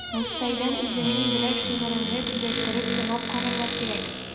Мостайдан үземнең берәр шигыремне төзәттереп сынап карарга кирәк.